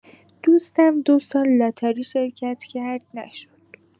دوستم دو سال لاتاری شرکت کرد، نشد.